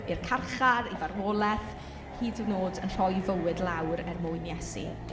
I'r carchar, i farwolaeth hyd yn oed yn rhoi'i fywyd lawr er mwyn Iesu.